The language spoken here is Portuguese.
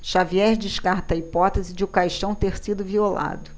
xavier descarta a hipótese de o caixão ter sido violado